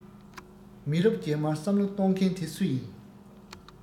མི རབས རྗེས མར བསམ བློ གཏོང མཁན དེ སུ ཡིན